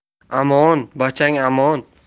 amon bachang amon